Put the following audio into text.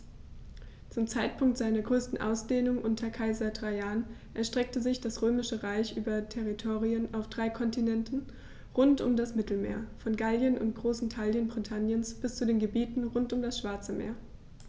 Zum Zeitpunkt seiner größten Ausdehnung unter Kaiser Trajan erstreckte sich das Römische Reich über Territorien auf drei Kontinenten rund um das Mittelmeer: Von Gallien und großen Teilen Britanniens bis zu den Gebieten rund um das Schwarze Meer.